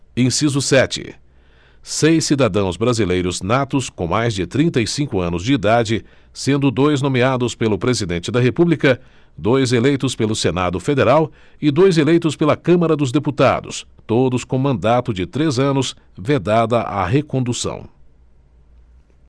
sinciso sete seis cidadãos brasileiros natos com mais de trinta e cinco anos de idade sendo dois nomeados pelo presidente da república dois eleitos pelo senado federal e dois eleitos pela câmara dos deputados todos com mandato de três anos vedada a recondução